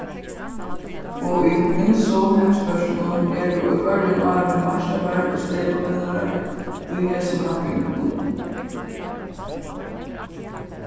og í ymsu heimspørtunum eru á hvørjum ári meistarar og steypavinnarar í hesum kappingum